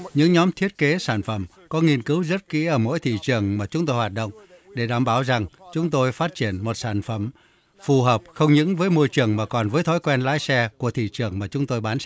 những nhóm thiết kế sản phẩm có nghiên cứu rất kỹ ở mỗi thị trường mà chúng tôi hoạt động để đảm bảo rằng chúng tôi phát triển một sản phẩm phù hợp không những với môi trường mà còn với thói quen lái xe của thị trường mà chúng tôi bán